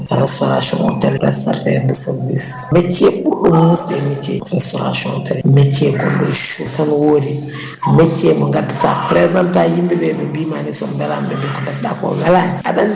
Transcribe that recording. restauration ene jaari * service métier ɓuurɗo musde e métier ji restauration métier * sone wodi métier mo ganddata présente a yimɓeɓe ɓe mbima min somi welama mi wiya ko defɗako welani